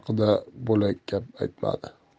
haqida bo'lak gap aytmadi